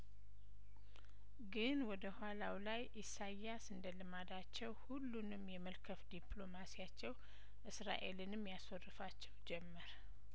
ግን ወደ ኋላው ላይ ኢሳያስ እንደልማዳቸው ሁሉንም የመልከፍ ዲፕሎማሲያቸው እስራኤልንም ያስወርፋቸው ጀመር